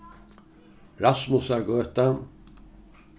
rasmusargøta